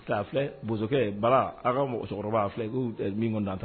' filɛ bokɛ bala aw ka musokɔrɔbakɔrɔba filɛ ko mintan ta